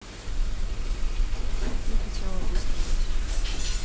я хотела выстрелить